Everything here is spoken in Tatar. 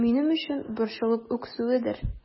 Минем өчен борчылып үксүедер...